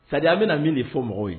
Sariya bɛna min de fɔ mɔgɔw ye